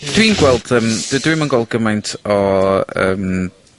Dwi'n gweld yym, d- dwi'm yn gweld gymaint o yym